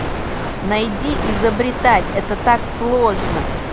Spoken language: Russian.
найди изобретать это так сложно